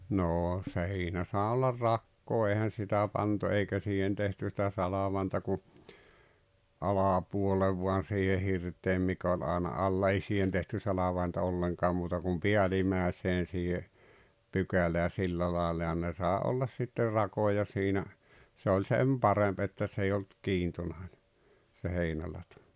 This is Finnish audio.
no siinä saa olla rakoa eihän sitä pantu eikä siihen tehty sitä salvainta kuin alapuolelle vain siihen hirteen mikä oli aina alla ei siihen tehty salvainta ollenkaan muuta kuin päällimmäiseen siihen pykälään sillä lailla ja ne sai olla sitten rakoja siinä se oli sen parempi että se ei ollut kiintonainen se heinälato